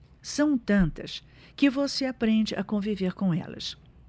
são tantas que você aprende a conviver com elas